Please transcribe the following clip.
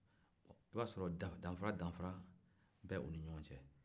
e b'a sɔrɔ danfara danfara o tɛ u ni ɲɔgɔn cɛ